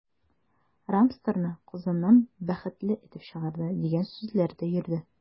“рамстор”ны казаннан “бәхетле” этеп чыгарды, дигән сүзләр дә йөрде.